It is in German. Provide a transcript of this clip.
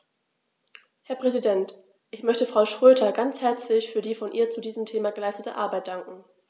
Herr Präsident, ich möchte Frau Schroedter ganz herzlich für die von ihr zu diesem Thema geleistete Arbeit danken.